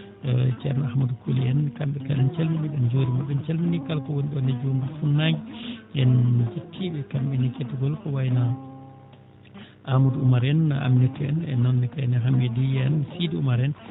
ceerno Ahmadou Colly en kamɓe kala en calminii ɓe en njuuriima ɓe en calminii kala ko woni ɗoon e Doondu fuɗnaange en ngokkii ɓe kamɓe ne kettagol ko wayi no Amadou Oumar en Aminata en ceerno Hammet Diye en Sidy Oumar en